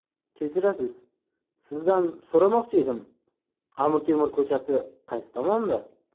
kechirasiz sizdan so'ramoqchi edim amir temur ko'chasi qaysi tomonda